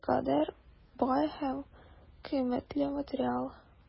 Никадәр бай һәм кыйммәтле материал!